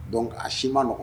Dɔnc a si m ma nɔgɔn